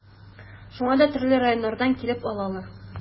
Шуңа да төрле районнардан килеп алалар.